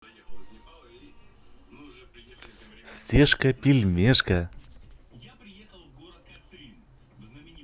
стежка пельмешка